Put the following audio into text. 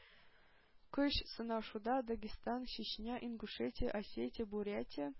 Көч сынашуда Дагестан, Чечня, Ингушетия, Осетия, Бурятия,